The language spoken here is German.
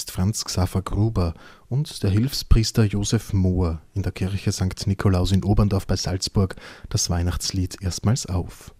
Franz Xaver Gruber und der Hilfspriester Joseph Mohr in der Kirche St. Nikolaus in Oberndorf bei Salzburg das Weihnachtslied Stille Nacht, heilige Nacht erstmals auf